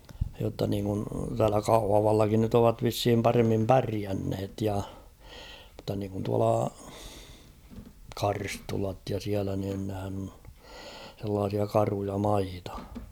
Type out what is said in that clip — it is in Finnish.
jotta niin kuin täällä Kauhavallakin nyt ovat vissiin paremmin pärjänneet ja mutta niin kuin tuolla Karstulat ja siellä niin nehän on sellaisia karuja maita